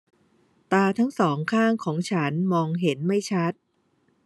ตาทั้งสองข้างฉันมองเห็นไม่ชัด